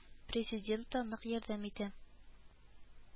Президент та нык ярдәм итә